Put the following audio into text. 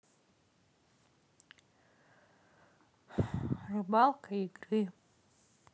рыбалка игры